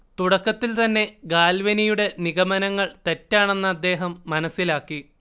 തുടക്കത്തിൽത്തന്നെ ഗാൽവനിയുടെ നിഗമനങ്ങൾ തെറ്റാണെന്ന് അദ്ദേഹം മനസ്സിലാക്കി